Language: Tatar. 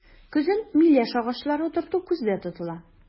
Көзен миләш агачлары утырту күздә тотыла.